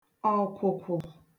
ọ̀kwụ̀kwụ̀